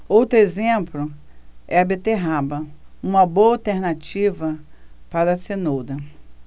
outro exemplo é a beterraba uma boa alternativa para a cenoura